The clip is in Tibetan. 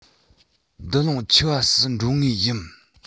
འདུ ལོང ཆེ བ སུ འགྲོ ངེས ཡིན